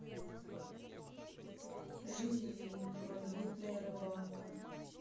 жизнь ви магнитная рыбалка